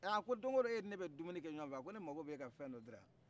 aa a ko don wo don e ni ne bɛ dumunikɛ ɲwan fɛ a ko ne mako b'e ka fɛndo de la